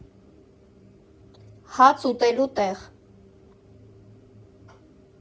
Հաց ուտելու տեղ։